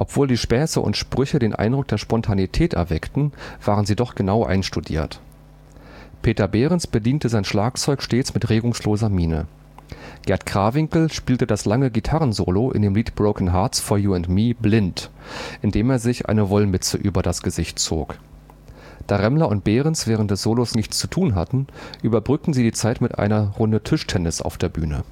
Obwohl die Späße und Sprüche den Eindruck der Spontaneität erweckten, waren sie doch genau einstudiert. Peter Behrens bediente sein Schlagzeug stets mit regungsloser Miene. Gert Krawinkel spielte das lange Gitarrensolo in dem Lied „ Broken Hearts For You And Me “blind, indem er sich eine Wollmütze über das Gesicht zog. Da Remmler und Behrens während des Solos nichts zu tun hatten, überbrückten sie die Zeit mit einer Runde Tischtennis auf der Bühne